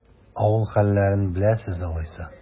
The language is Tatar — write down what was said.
Авыл хәлләрен беләсез алайса?